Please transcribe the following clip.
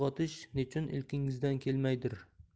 uy g'otish nechun ilkingizdan kelmaydir